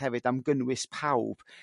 hefyd am gynnwys pawb.